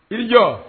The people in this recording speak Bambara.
Yirijɔ